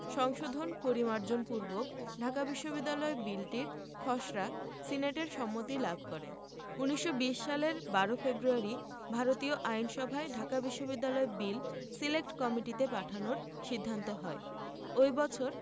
সংশোধন পরিমার্জন পূর্বক ঢাকা বিশ্ববিদ্যালয় বিলটির খসড়া সিনেটের সম্মতি লাভ করে ১৯২০ সালের ১২ ফেব্রুয়ারি ভারতীয় আইনসভায় ঢাকা বিশ্ববিদ্যালয় বিল সিলেক্ট কমিটিতে পাঠানোর সিদ্ধান্ত হয় ওই বছর